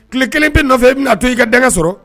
Kile kelen pe nɔfɛ e bi na to i ka danga sɔrɔ?